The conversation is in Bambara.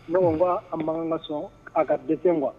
Ne ko n ko a man kan ka sɔn ko an mankan ka sɔn a ka déteint quoi